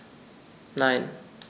Nein.